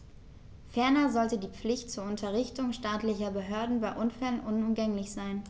Ferner sollte die Pflicht zur Unterrichtung staatlicher Behörden bei Unfällen unumgänglich sein.